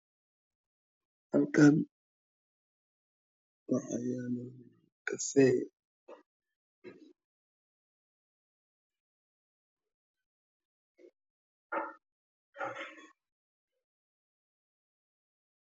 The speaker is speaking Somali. Halkaan waxa yaalo kofee